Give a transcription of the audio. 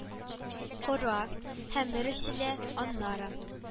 Кора, хәмер эчелә, аннары